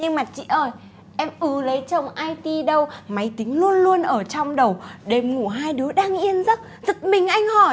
nhưng mà chị ơi em ứ lấy chồng ai ti đâu máy tính luôn luôn ở trong đầu đêm ngủ hai đứa đang yên giấc giật mình anh hỏi